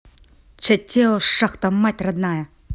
chateau шахта мать родная